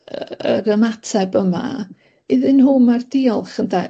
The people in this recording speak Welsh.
y yr ymateb yma iddyn nhw ma'r diolch ynde.